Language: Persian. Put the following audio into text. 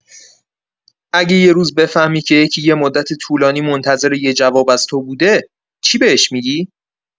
اگه یه روز بفهمی که یکی یه مدت طولانی منتظر یه جواب از تو بوده، چی بهش می‌گی؟